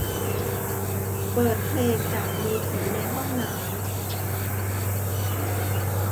เปิดเพลงจากมือถือในห้องน้ำ